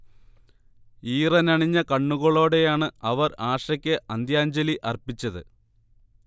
ഈറനണിഞ്ഞ കണ്ണുകളോടെയാണ് അവർ ആഷയ്ക്ക് അന്ത്യാജ്ഞലി അർപ്പിച്ചത്